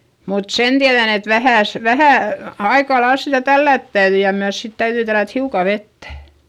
mutta sen tiedän että - vähän aika lailla sitä tällätä täytyi ja myös sitten täytyi tällätä hiukan vettä